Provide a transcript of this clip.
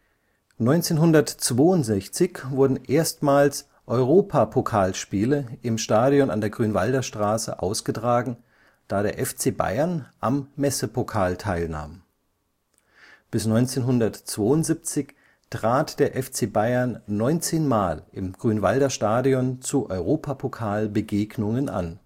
1962 wurden erstmals Europapokalspiele im Stadion an der Grünwalder Straße ausgetragen, da der FC Bayern am Messepokal teilnahm. Bis 1972 trat der FC Bayern 19 Mal im Grünwalder Stadion zu Europapokalbegegnungen an